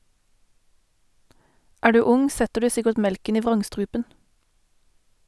Er du ung, setter du sikkert melken i vrangstrupen.